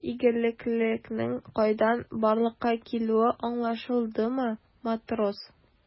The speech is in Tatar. Миндә игелеклелекнең кайдан барлыкка килүе аңлашылдымы, матрос?